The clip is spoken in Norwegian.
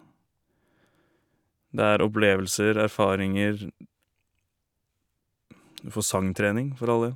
Det er opplevelser, erfaringer, du får sangtrening, for all del.